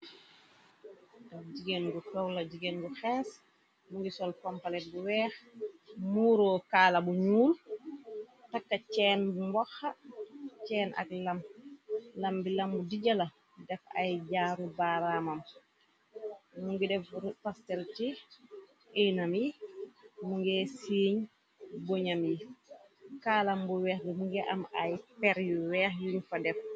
Li jigéen la jigeen bu tog jigeen gu xees mungi sol pompalet bu weex muuro kaala bu ñuul takka ceen bu mboxah ceen ak lam lam bi lam bu dijala def ay jaaru baaraamam mu ngi def pastëlci inam yi mu ngi siiñ boñam yi kaalam bu weex di mu ngi am ay per yu weex yuñ fa dep.